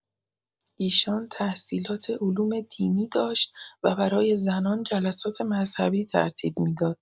ایشان تحصیلات علوم دینی داشت و برای زنان جلسات مذهبی ترتیب می‌داد.